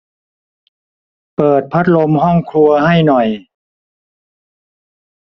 เปิดพัดลมห้องครัวให้หน่อย